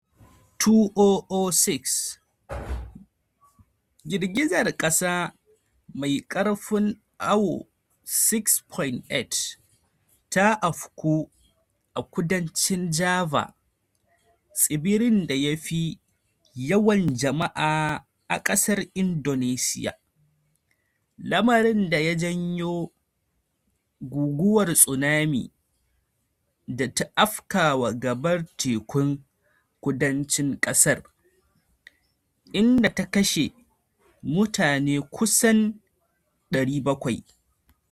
2006: Girgizar ƙasar mai ƙarfin awo 6.8 ta afku a kudancin Java, tsibirin da ya fi yawan jama'a a ƙasar Indonesiya, lamarin da ya janyo guguwar tsunami da ta afkawa gabar tekun kudancin kasar, inda ta kashe mutane kusan 700.